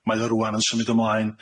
Mae o rŵan yn symud ymlaen,